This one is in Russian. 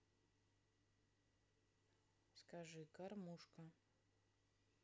скажи кормушка